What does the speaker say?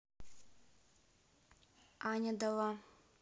аня дала